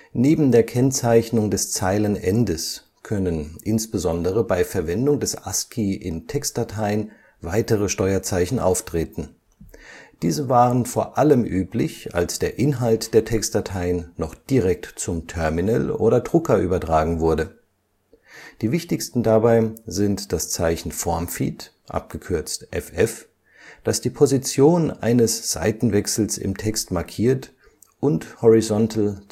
Neben der Kennzeichnung des Zeilenendes können insbesondere bei Verwendung des ASCII in Textdateien weitere Steuerzeichen auftreten. Diese waren vor allem üblich, als der Inhalt der Textdateien noch direkt zum Terminal oder Drucker übertragen wurde. Die wichtigsten dabei sind das Zeichen Form Feed (FF), das die Position eines Seitenwechsels im Text markiert, und Horizontal